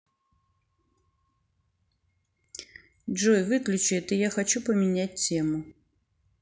джой выключи это я хочу поменять тему